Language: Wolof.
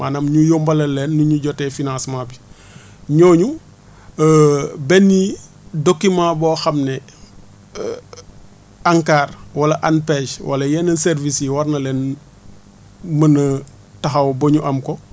maanaam ñu yombalal leen nu ñuy jotee financement bi ñooñu benni document boo xam ne ANCAR wala ANPEJ wala yeneen services yi war na leen mën a taxawu ba ñu am ko